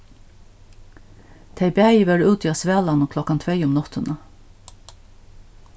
tey bæði vóru úti á svalanum klokkan tvey um náttina